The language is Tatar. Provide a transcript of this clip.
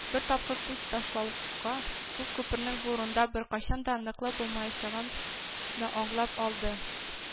Бер тапкыр күз ташлауга ук күпернең бу урында беркайчан да ныклы булмаячагын да аңлап алды